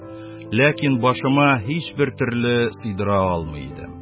Ләкин башыма һичбер төрле сыйдыра алмый идем